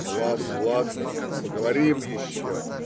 - Ну, ладно, ладно, поговорим еще.